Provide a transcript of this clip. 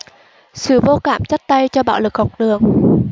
sự vô cảm chắp tay cho bạo lực học đường